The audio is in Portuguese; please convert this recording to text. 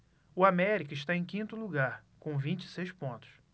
o américa está em quinto lugar com vinte e seis pontos